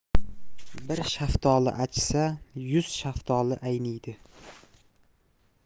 bir shaftoli achisa yuz shaftoli ayniydi